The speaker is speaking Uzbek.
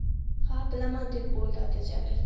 ha bilaman deb o'yladi jalil